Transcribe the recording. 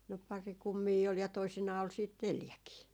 no pari kummia oli ja toisinaan oli sitten neljäkin